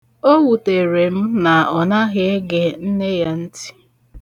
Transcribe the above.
O wutere m na ọnaghị ege nne ya nti